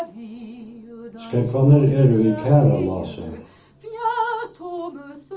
skógvarnir eru við karðalási